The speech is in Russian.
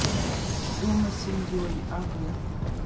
дома с семьей а вы